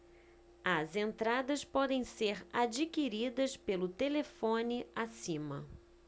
as entradas podem ser adquiridas pelo telefone acima